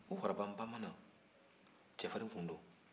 o warabanbamanan cɛfarin tun don